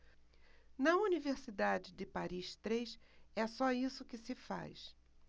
na universidade de paris três é só isso que se faz